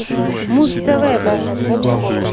муз тв блядь